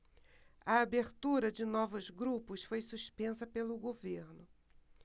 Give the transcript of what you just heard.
a abertura de novos grupos foi suspensa pelo governo